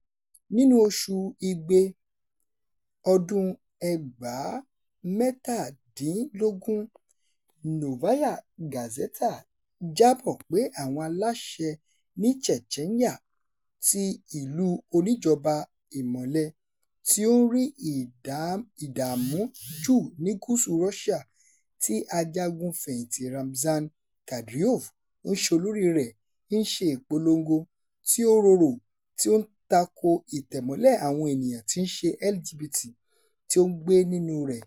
Nínú oṣù Igbe 2017, Novaya Gazeta jábọ̀ pé àwọn aláṣẹ ní Chechnya, ti ìlú oníjọba Ìmọ́lẹ̀ tí ó ń rí ìdààmú jù ní gúúsù Russia tí ajagun fẹ̀yìntì Ramzan Kadyrov, ń ṣe olóríi rẹ̀, ń ṣe ìpolongo tí ó rorò tí ó ń tako ìtẹ̀mọ́lẹ̀ àwọn ènìyàn tí í ṣe LGBT tí ó ń gbé nínúu rẹ̀.